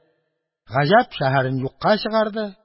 Гаҗәп шәһәрен юкка чыгарды.